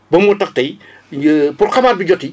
ba moo tax tey pour xabaar bi jot yi